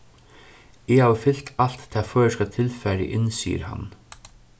eg havi fylt alt tað føroyska tilfarið inn sigur hann